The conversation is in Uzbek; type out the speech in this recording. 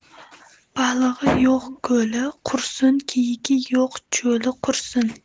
balig'i yo'q ko'li qursin kiyigi yo'q cho'li qursin